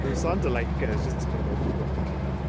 I'm starting to like it, there's just something about "bunda".